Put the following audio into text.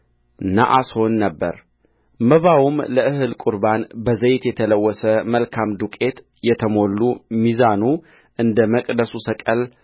ነአሶን ነበረመባውም ለእህል ቍርባን በዘይት የተለወሰ መልካም ዱቄት የተሞሉ ሚዛኑ እንደ መቅደሱ ሰቅል